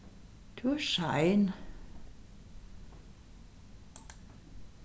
tú ert sein